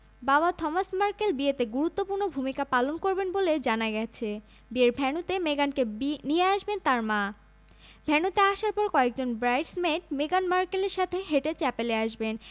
ও বাবা Thomas Markle বিয়েতে গুরুত্বপূর্ণ ভূমিকা পালন করবেন বলে জানা গেছে বিয়ের ভেন্যুতে মেগানকে নিয়ে আসবেন তাঁর মা ভেন্যুতে আসার পর কয়েকজন ব্রাইডস মেড মেগান মার্কেলের সাথে হেঁটে চ্যাপেলে আসবেন